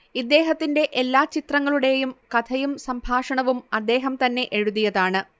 ഇദ്ദേഹത്തിന്റെ എല്ലാ ചിത്രങ്ങളുടെയും കഥയും സംഭാഷണവും അദ്ദേഹംതന്നെ എഴുതിയതാണ്